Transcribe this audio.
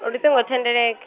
luṱingo thendele-